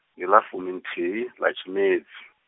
ndi ḽa fuminthihi ḽa tshimedzi.